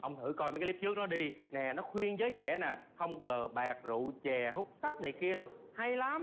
ông thử coi mấy líp trước đó đi nè nó khuyên giới trẻ nè không cờ bạc rượu chè hút sách này kia hay lắm